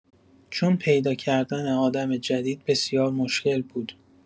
چون پیداکردن آدم جدید بسیار مشکل بود.